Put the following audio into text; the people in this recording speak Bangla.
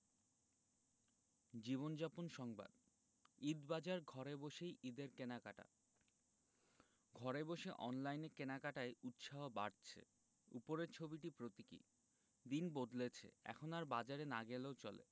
জীবনযাপন সংবাদ ঈদবাজার ঘরে বসেই ঈদের কেনাকাটা ঘরে বসে অনলাইনে কেনাকাটায় উৎসাহ বাড়ছে উপরের ছবিটি প্রতীকী দিন বদলেছে এখন আর বাজারে না গেলেও চলে